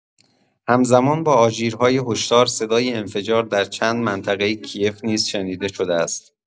همزمان با آژیرهای هشدار، صدای انفجار در چند منطقه کی‌یف نیز شنیده‌شده است.